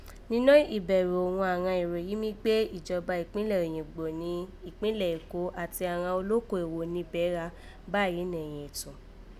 Ninọ́ ìbẹ̀rù òghun àghan èrò yí mi gbé ni ìjọba ìbílẹ̀ Òyìngbò ni ìkpínlẹ̀ Èkó àti àghan olóko òwò níbẹ̀ gha báyìí nẹ̀yìn ètò